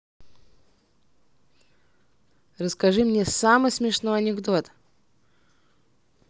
расскажи мне самый смешной анекдот